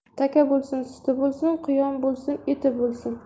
taka bo'lsin suti bo'lsin quyon bo'lsin eti bo'lsin